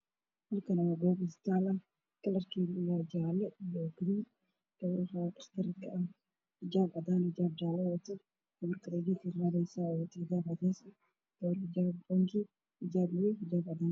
Waa gabdha gacanta kuwato faashado